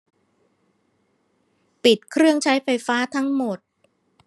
ปิดเครื่องใช้ไฟฟ้าทั้งหมด